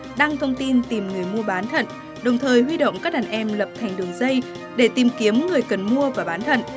đăng thông tin tìm người mua bán thận đồng thời huy động các đàn em lập thành đường dây để tìm kiếm người cần mua và bán thận